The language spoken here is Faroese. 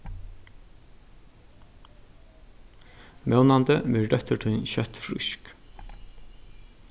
vónandi verður dóttir tín skjótt frísk